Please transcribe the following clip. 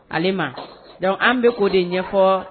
Ale ma, donc an bɛ k'o de ɲɛfɔ